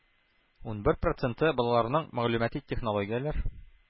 Унбер проценты балаларының мәгълүмати технологияләр,